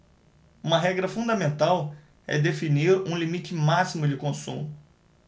uma regra fundamental é definir um limite máximo de consumo